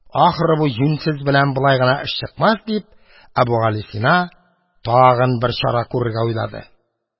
«ахры, бу юньсез белән болай гына эш чыкмас» дип, әбүгалисина тагын бер чара күрергә уйлады.